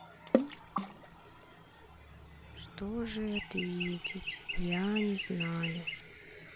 что же ответить я не знаю